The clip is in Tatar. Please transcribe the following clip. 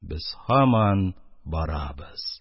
Без һаман барабыз...